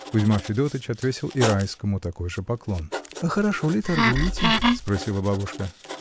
Кузьма Федотыч отвесил и Райскому такой же поклон. — Хорошо ли торгуете? — спросила бабушка.